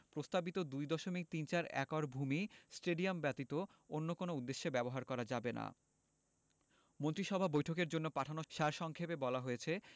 প্রস্তাবিত ২ দশমিক তিন চার একর ভূমি স্টেডিয়াম ব্যতীত অন্য কোনো উদ্দেশ্যে ব্যবহার করা যাবে না মন্ত্রিসভা বৈঠকের জন্য পাঠানো সার সংক্ষেপে বলা হয়েছে